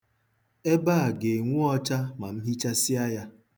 Ebe a ga-enwu ọcha ma m hichasịa ya